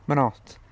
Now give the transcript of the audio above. Mae'n od.